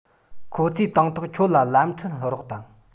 ཁོ ཚོས དང ཐོག ཁྱོད ལ ལམ ཁྲིད རོགས དང